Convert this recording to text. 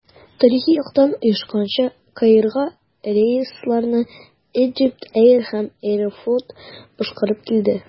Тарихи яктан оешканча, Каирга рейсларны Egypt Air һәм «Аэрофлот» башкарып килде.